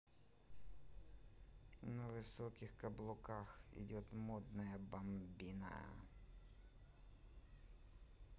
на высоких каблуках идет модная бомбина